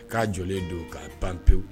K'a jɔlen don k'a pan pewu